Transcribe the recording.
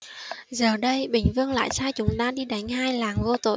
giờ đây bình vương lại sai chúng ta đi đánh hai làng vô tội